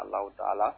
Ala taa